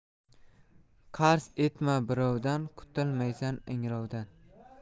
qarz etma birovdan qutilmaysan ingrovdan